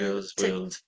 Girls' World.